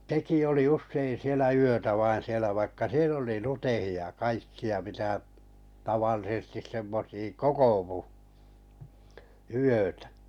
sekin oli usein siellä yötä vain siellä vaikka siellä oli luteita ja kaikkia mitä tavallisesti semmoisia kokoutui yötä